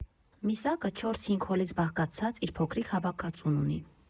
Միսակը չորս֊հինգ հոլից բաղկացած իր փոքրիկ հավաքածուն ունի։